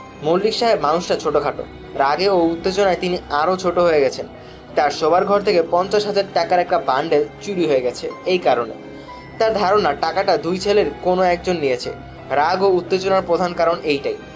মল্লিক সাহেব মানুষটা ছােটখাটো রাগে ও উত্তেজনায় তিনি আরও ছােট হয়ে গেছেন তাঁর শােবার ঘর থেকে পঞ্চাশ হাজার টাকার একটা বান্ডেল চুরি গেছে তার ধারণা টাকাটা দুই ছেলের কোনাে-একজন নিয়েছে রাগ ও উত্তেজনার প্রধান কারণ এইটাই